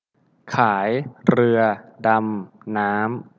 ขายเรือดำน้ำ